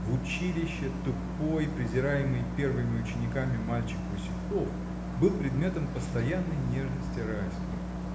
В училище тупой, презираемый первыми учениками мальчик Васюков был предметом постоянной нежности Райского.